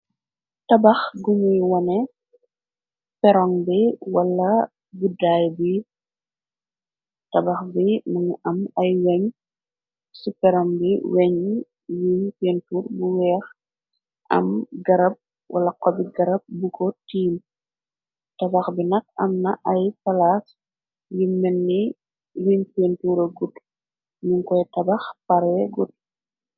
Tabax guñuy wone peran bi wala guddaay b tabax bi mëu am ay weñ ci peram bi weñ yuñ pentur bu weex am garab wala xobi garab bu ko tiim tabax bi nag am na ay palaas yu menni yuñ pentura gut ñu koy tabax pare gut.